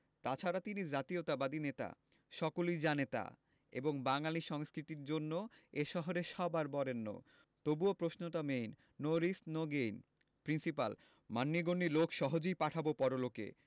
তাছাড়া তিনি জাতীয়তাবাদী নেতা সকলেই জানে তা এবং বাঙালী সংস্কৃতির জন্য এ শহরে সবার বরেণ্য তবুও প্রশ্নটা main no risk no gain principle মান্যিগন্যি লোক সহজেই পাঠাবো পরলোকে